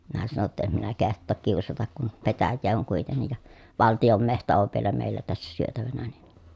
minä sanoin jotta en minä kehtaa kiusata kun petäjää on kuitenkin ja valtion metsä on vielä meillä tässä syötävänä niin